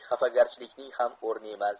xafagarchilikning ham o'mi emas